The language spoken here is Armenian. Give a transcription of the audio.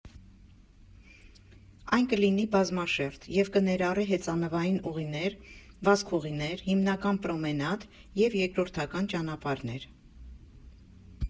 Այն կլինի բազմաշերտ և կներառի հեծանվային ուղիներ, վազքուղիներ, հիմնական պրոմենադ և երկրորդական ճանապարհներ։